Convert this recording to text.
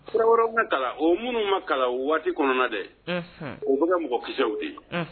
Fura wɛrɛw ka kalan o minnu ma kalan waati kɔnɔna dɛ u bɛka ka mɔgɔkisɛsɛw de ye